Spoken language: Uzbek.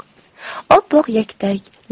oppoq yaktak